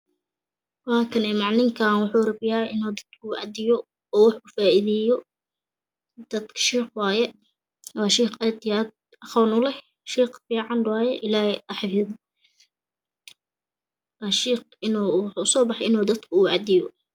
Waa kane macakinkaan wuxuu rabyaa inuu dadka wacdiyo oo dadka wax u faideeyo shiikh waye waana shiikh aad iyo aad aqoon uleh shiikhfacna waaye ilahayna ha xifdiyo waa shiikh wuxuu uso baxay inuu dadka wacdiyo